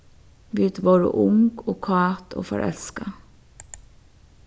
vit vóru ung og kát og forelskað